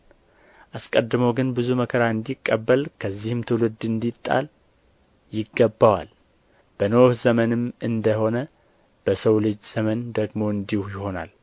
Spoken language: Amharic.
አስቀድሞ ግን ብዙ መከራ እንዲቀበል ከዚህም ትውልድ እንዲጣል ይገባዋል በኖኅ ዘመንም እንደ ሆነ በሰው ልጅ ዘመን ደግሞ እንዲሁ ይሆናል